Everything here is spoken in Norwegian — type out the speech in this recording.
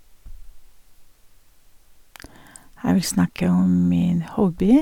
Jeg vil snakke om min hobby.